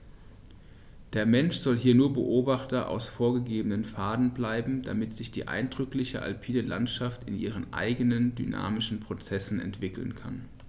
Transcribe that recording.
Der Mensch soll hier nur Beobachter auf vorgegebenen Pfaden bleiben, damit sich die eindrückliche alpine Landschaft in ihren eigenen dynamischen Prozessen entwickeln kann.